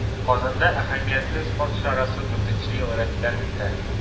Казанда әһәмиятле спорт чарасы дүртенче ел рәттән үтә.